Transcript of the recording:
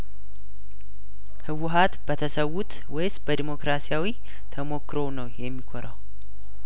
ህወሀት በተሰዉት ወይስ በዲሞክራሲያዊው ተሞክሮው ነው የሚኮራው